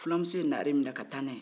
filamuso ye naare minɛ ka taa n'a ye